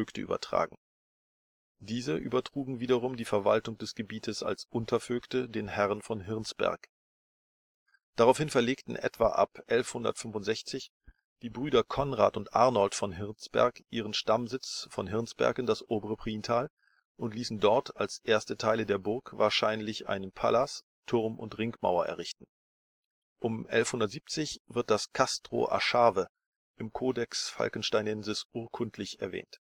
übertragen. Diese übertrugen wiederum die Verwaltung des Gebietes als Untervögte den Herren von Hirnsberg. Daraufhin verlegten etwa ab 1165 die Brüder Konrad und Arnold von Hirnsberg ihren Stammsitz von Hirnsberg in das obere Priental und ließen dort als erste Teile der Burg wahrscheinlich einen Palas, Turm und Ringmauer errichten. Um 1170 wird das Castro Aschawe im Codex Falkensteinensis urkundlich erwähnt